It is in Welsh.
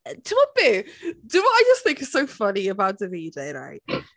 Tibod be? Do you know what I think is just so funny about Davide right?